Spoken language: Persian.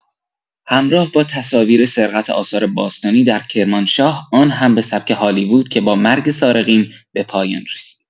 همراه با تصاویر سرقت آثار باستانی در کرمانشاه آن هم به سبک هالیوود که با مرگ سارقین به پایان رسید.